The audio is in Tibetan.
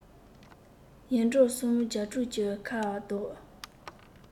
ཡེ འབྲོག སུམ བརྒྱ དྲུག ཅུའི ཁ ལ བཟློག